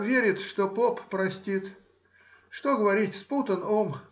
верит, что поп простит. Что говорить?. спутан ум.